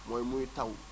mooy muy taw